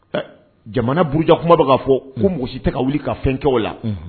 Jamana burujakuma bɛ k'a fɔ ko mɔgɔsi tɛ ka wuli ka fɛn kɛ o la.